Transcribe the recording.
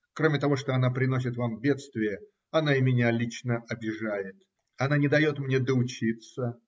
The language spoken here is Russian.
Кроме того, что она приносит всем бедствие, она и меня лично обижает, она не дает мне доучиться.